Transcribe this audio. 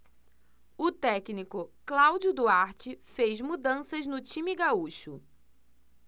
o técnico cláudio duarte fez mudanças no time gaúcho